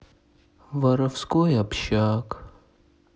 воровской общак